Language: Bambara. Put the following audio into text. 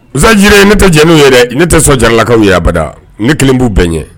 N zanaji ye ne tɛ jɛnɛ n yɛrɛ ne tɛ so jaralakan yafabada ne kelen b'u bɛn n ɲɛ